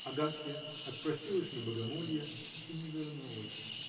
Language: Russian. Агафья отпросилась на богомолье и не вернулась.